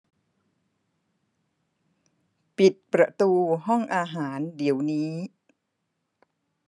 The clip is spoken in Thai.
ปิดประตูห้องอาหารเดี๋ยวนี้